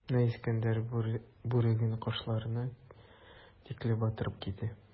Менә Искәндәр бүреген кашларына тикле батырып киде.